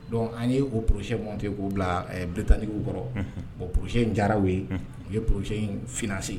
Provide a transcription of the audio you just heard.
Dɔnku an' porosiyɛn fɛ yen k'u bila bi tan kɔrɔ o pse in jaraw ye u ye pse in fsigi